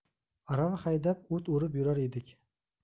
arava haydab o't o'rib yurar edik